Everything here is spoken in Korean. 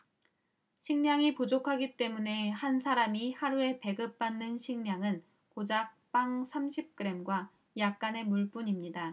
식량이 부족하기 때문에 한 사람이 하루에 배급받는 식량은 고작 빵 삼십 그램과 약간의 물뿐입니다